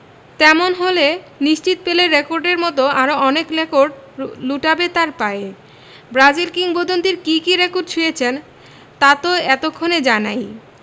তেমন হলে নিশ্চিত পেলের রেকর্ডের মতো আরও অনেক রেকর্ড লুটাবে তাঁর পায়ে ব্রাজিল কিংবদন্তির কী কী রেকর্ড ছুঁয়েছেন তা তো এতক্ষণে জানাই